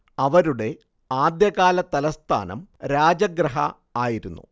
അവരുടെ ആദ്യകാലതലസ്ഥാനം രാജഗൃഹ ആയിരുന്നു